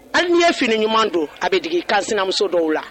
Ali ɲɛ fini ɲuman don a bɛ dege kaa sinamuso dɔw la